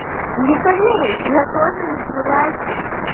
не поверишь я тоже люблю лайки